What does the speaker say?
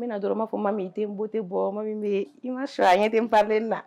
Mena dɔrɔn n b'a fɔ Mami i te n beauté bɔɔ Mami bee i m'a chouwa a i ɲɛ te n paré lenni na